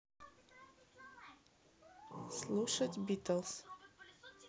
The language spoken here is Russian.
слушать битлз